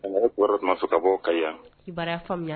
A kɔrɔtumamaso ka bɔ ka yan faamuya